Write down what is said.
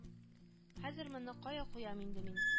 Хәзер моны кая куям инде мин